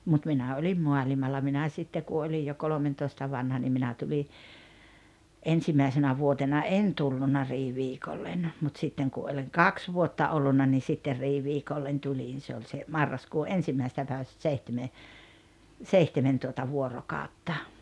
mutta minä olin maailmalla minä sitten kun olin jo kolmentoista vanha niin minä tulin ensimmäisenä vuotena en tullut riiviikolle mutta sitten kun olin kaksi vuotta ollut niin sitten riiviikolle tulin se oli se marraskuu ensimmäisestä päivästä seitsemän seitsemän tuota vuorokautta